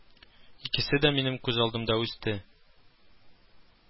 Икесе дә минем күз алдымда үсте